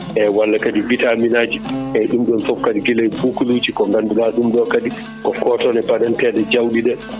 eyyi walla kadi vitamine aji eyyi ɗum ɗon fof kadi guila e bokkoluji ko ngannduɗaa ɗum ɗo kadi ko kotone baɗanteɗe jawɗi ɗe